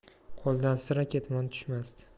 qo'lidan sira ketmon tushmasdi